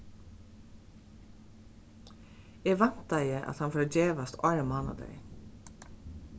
eg væntaði at hann fór at gevast áðrenn mánadagin